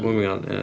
Moving on ia.